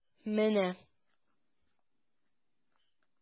Менә...